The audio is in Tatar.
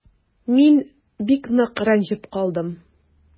Мин бик нык рәнҗеп калдым.